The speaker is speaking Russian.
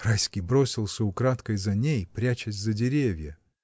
Райский бросился украдкой за ней, прячась за деревья.